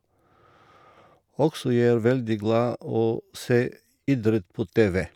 Også jeg er veldig glad å se idrett på TV.